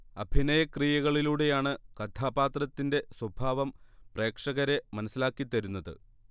അഭിനയ ക്രിയകളിലൂടെയാണ് കഥാപാത്രത്തിന്റെ സ്വഭാവം പ്രേക്ഷകരെ മനസ്സിലാക്കിതരുന്നത്